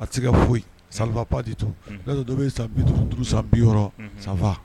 A se ka foyi safa padi to'a dɔ bɛ san bi duuru duuru san bi sanfa